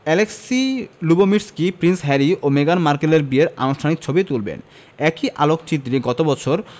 Alexi Lubomirski prince Harry ও মেগান মার্কেলের বিয়ের আনুষ্ঠানিক ছবি তুলবেন একই আলোকচিত্রী গত বছর